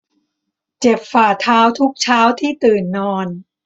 เจ็บฝ่าเท้าทุกเช้าที่ตื่นนอน